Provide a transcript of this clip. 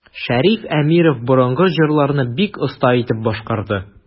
Шәриф Әмиров борынгы җырларны бик оста итеп башкарды.